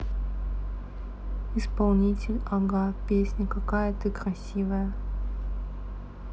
исполнитель ага песня какая ты красивая